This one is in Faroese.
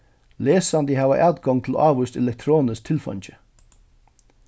lesandi hava atgongd til ávíst elektroniskt tilfeingi